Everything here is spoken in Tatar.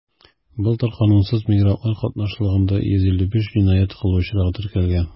Былтыр канунсыз мигрантлар катнашлыгында 155 җинаять кылу очрагы теркәлгән.